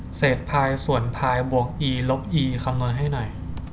เศษพายส่วนพายบวกอีลบอีคำนวณให้หน่อย